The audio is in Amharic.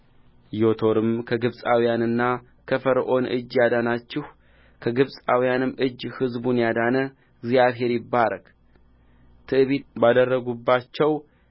ዮቶርም ከግብፃውያንና ከፈርዖን እጅ ያዳናችሁ ከግብፃውያንም እጅ ሕዝቡን ያዳነ እግዚአብሔር ይባረክ ትዕቢት ባደረጉባቸው